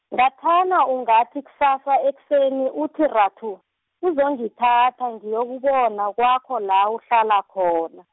ngathana ungathi kusasa ekuseni uthi rathu, uzongithatha ngiyokubona kwakho la uhlala khona.